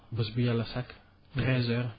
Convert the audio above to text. bës bu Yàlla sàkk treize heures